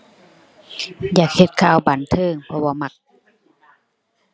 อยากเฮ็ดข่าวบันเทิง เพราะว่ามัก